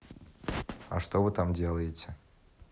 а что вы там делаете